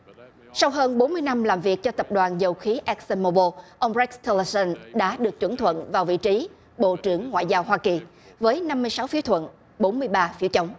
sau hơn bốn mươi năm làm việc cho tập đoàn dầu khí éc xơn mô bô ông rếch tiu lơ xơn đã được chuẩn thuận vào vị trí bộ trưởng ngoại giao hoa kỳ với năm mươi sáu phiếu thuận bốn mươi ba phiếu chống